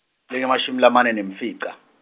lengemashumi lamane nemfica.